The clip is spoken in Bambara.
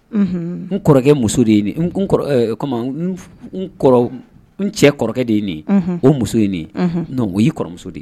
N kɔrɔkɛ muso de ye nin ye n comment n kɔrɔ n cɛ kɔrɔkɛ de ye nin ye, unhun, o muso ye nin ye, non o y'i kɔrɔmuso de ye